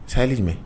Sahɛli jumɛn.